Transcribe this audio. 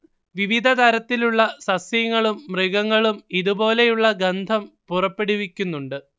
വിവിധതരത്തിലുള്ള സസ്യങ്ങളും മൃഗങ്ങളും ഇതു പോലുള്ള ഗന്ധം പുറപ്പെടുവിക്കുന്നുണ്ട്